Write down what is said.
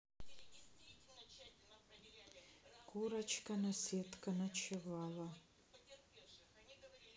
курочка наседка ночевала